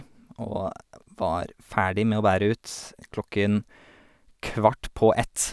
Og var ferdig med å bære ut klokken kvart på ett.